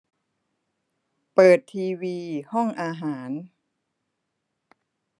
เปิดทีวีห้องอาหาร